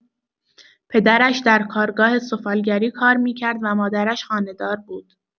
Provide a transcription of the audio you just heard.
پدرش در کارگاه سفالگری کار می‌کرد و مادرش خانه‌دار بود.